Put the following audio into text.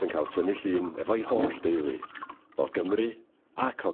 ...yn ca'l tynu llun efo'i holl deulu o Gymru ac o...